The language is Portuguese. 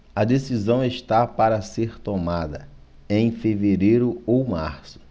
a decisão está para ser tomada em fevereiro ou março